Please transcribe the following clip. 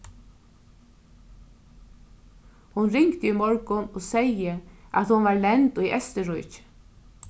hon ringdi í morgun og segði at hon var lend í eysturríki